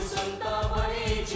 xuân ơi